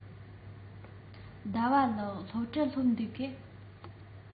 ཟླ བ ལགས སློབ གྲྭར སླེབས འདུག གས